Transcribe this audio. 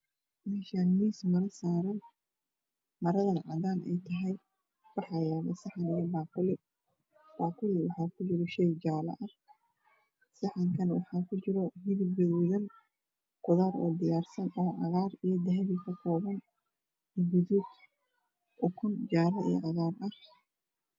Meeshaan miis maro saaran maradu cadaan ay tahay waxaa yaalo saxan iyo baaquli. Baaquliga waxaa kujira shay jaalo ah saxan kana waxaa kujira hilib gaduudan qudaar oo diyaar san oo ka kooban cagaar iyo dahabi iyo gaduud, ukun jaalo iyo cagaar ah.